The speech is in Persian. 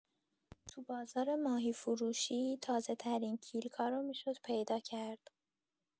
تو بازار ماهی‌فروشی، تازه‌ترین کیلکا رو می‌شد پیدا کرد.